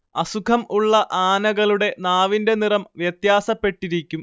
അസുഖം ഉള്ള ആനകളുടെ നാവിന്റെ നിറം വ്യത്യാസപ്പെട്ടിരിക്കും